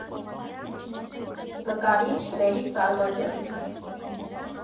Նկարիչ՝ Մերի Սարմազյան։